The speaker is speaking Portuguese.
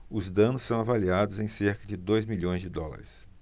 os danos são avaliados em cerca de dois milhões de dólares